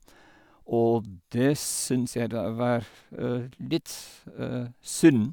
Og det syns jeg da var litt synd.